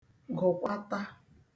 gụ̀kwata